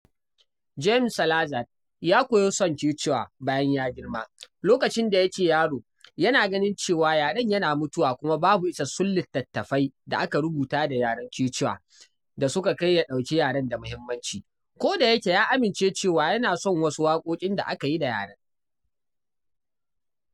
Jaime Salazar ya koyi son Quechua bayan ya girma: lokacin da yake yaro yana ganin cewa yaren yana mutuwa kuma babu isassun littattafai da aka rubuta da yaren Quechua da suka kai ya ɗauki yaren da muhimmanci, ko da yake ya amince cewa yana son wasu waƙoƙin da aka yi da yaren.